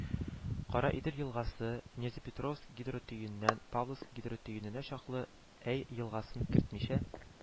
Караидел елгасы, Нязепетровск гидротөененнән Павловск гидротөененә чаклы Әй елгасын кертмичә